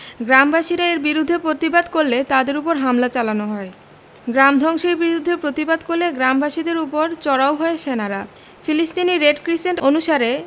গ্রামবাসীরা এর বিরুদ্ধে প্রতিবাদ করলে তাদের ওপর হামলা চালানো হয় গ্রাম ধ্বংসের বিরুদ্ধে প্রতিবাদ করলে গ্রামবাসীদের ওপর চড়াও হয় সেনারা ফিলিস্তিনি রেড ক্রিসেন্ট অনুসারে